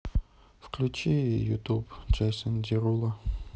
включи ютуб джейсон деруло